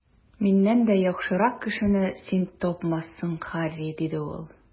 Миннән дә яхшырак кешене син тапмассың, Һарри, - диде ул.